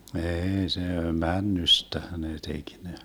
ei se männystähän ne teki ne